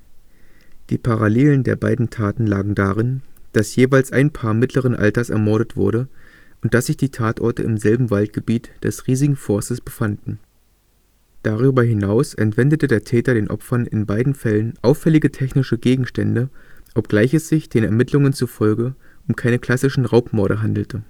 Parallelen der beiden Taten lagen darin, dass jeweils ein Paar mittleren Alters ermordet wurde und dass sich die Tatorte im selben Waldgebiet des riesigen Forstes befanden. Darüber hinaus entwendete der Täter den Opfern in beiden Fällen auffällige technische Gegenstände, obgleich es sich den Ermittlungen zufolge um keine klassischen Raubmorde handelte